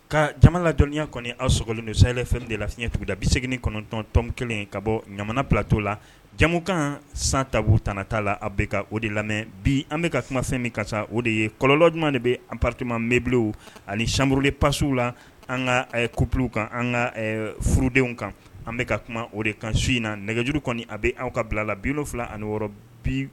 Ka jamana la dɔnniya kɔni aw sogo ni saɛlɛfɛn de lasecya tuguda bɛ segin kɔnɔntɔntɔn kelen ka bɔ ɲamana bilatɔ la jamu kan san ta t t'a la a bɛka ka o de lamɛn bi an bɛka ka kumafɛn min ka taa o de ye kɔlɔlɔ jumɛn de bɛ anprtima mbi ani sabururie passiww la an ka kupw kan an ka furudenw kan an bɛka ka kuma o de kan so in na nɛgɛjuru kɔni a bɛ an ka bilala bi fila ani bi